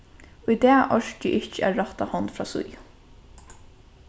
í dag orki eg ikki at rætta hond frá síðu